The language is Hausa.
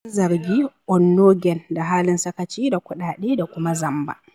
An zargi Onnoghen da halin sakaci da kuɗaɗe da kuma zamba.